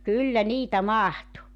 kyllä niitä mahtui